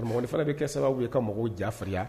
In fana bɛ kɛ sababu ye ka mɔgɔw jarinya